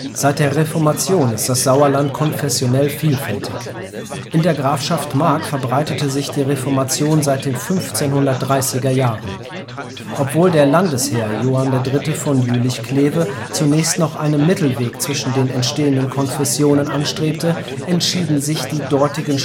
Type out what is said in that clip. Seit der Reformation ist das Sauerland konfessionell vielfältig. In der Grafschaft Mark verbreitete sich die Reformation seit den 1530er Jahren. Obwohl der Landesherr Johann III. von Jülich-Kleve zunächst noch einen Mittelweg zwischen den entstehenden Konfessionen anstrebte, entschieden sich die dortigen